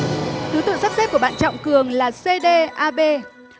thứ tự sắp xếp của bạn trọng cường là xê đê a bê